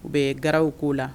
U bɛ gaw k'o la!